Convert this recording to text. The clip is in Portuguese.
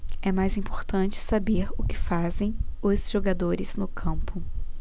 é mais importante saber o que fazem os jogadores no campo